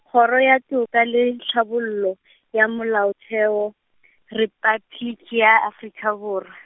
Kgoro ya Toka le Tlhabollo, ya Molaotheo, Repabliki ya Afrika Borwa.